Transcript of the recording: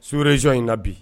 Surereson in na bi